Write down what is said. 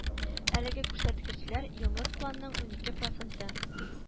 Әлеге күрсәткечләр еллык планның унике проценты